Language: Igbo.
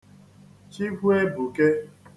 Chikwuebùke